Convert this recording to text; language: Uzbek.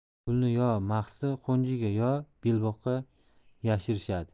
pulni yo mahsi qo'njiga yo belboqqa yashirishadi